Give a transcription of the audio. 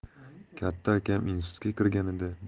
katta akam institutga kirganida